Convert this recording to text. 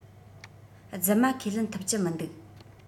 རྫུན མ ཁས ལེན ཐུབ ཀྱི མི འདུག